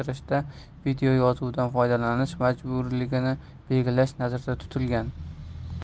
oshirishda videoyozuvdan foydalanish majburiyligini belgilash nazarda tutilgan